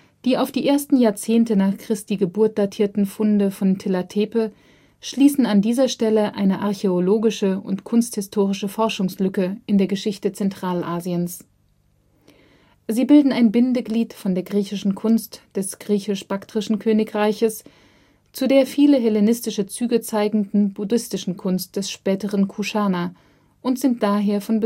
Die auf die ersten Jahrzehnte nach Christi Geburt datierten Funde von Tilla Tepe schließen an dieser Stelle eine archäologische und kunsthistorische Forschungslücke in der Geschichte Zentralasiens. Sie bilden ein Bindeglied von der griechischen Kunst des griechisch-baktrischen Königreiches zu der viele hellenistische Züge zeigenden buddhistischen Kunst der späteren Kuschana und sind daher von